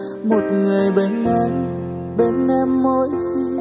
một người bên em bên em mỗi khi